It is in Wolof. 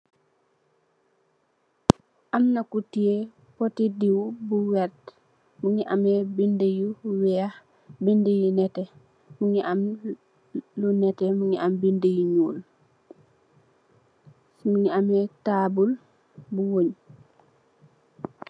Amna ku teyeh pot ti diiw nu werta, mungi ame binduh yu weex, am lu neteh, am lu ñuul. Mungi ame tabul bu ñuul.